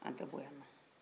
an tɛ bɔyan